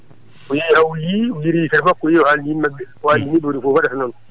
o yaari oyi o yiiri yitere makko oyi o addani yimɓe ɓe maɓɓe anndini ɓe kadi ko waɗata noon